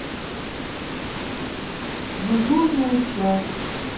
дежурная часть